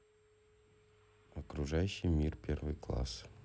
окружающий мир первый класс